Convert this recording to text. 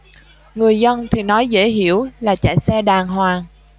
người dân thì nói dễ hiểu là chạy xe đàng hoàng